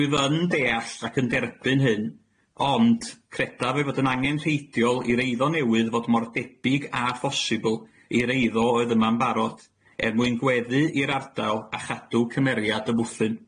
Rwyf yn deall ac yn derbyn hyn, ond, credaf ei fod yn angenrheidiol i'r eiddo newydd fod mor debyg a phosibl i'r eiddo oedd yma'n barod, er mwyn gweddu i'r ardal a chadw cymeriad y bwthyn.